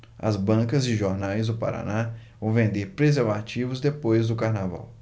as bancas de jornais do paraná vão vender preservativos depois do carnaval